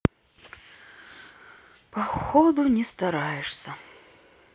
походу не стараешься